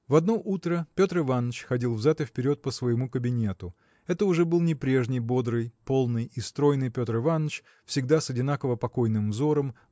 В одно утро Петр Иваныч ходил взад и вперед по своему кабинету. Это уже был не прежний бодрый полный и стройный Петр Иваныч всегда с одинаково покойным взором